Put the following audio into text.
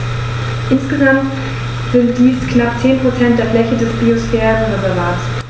Insgesamt sind dies knapp 10 % der Fläche des Biosphärenreservates.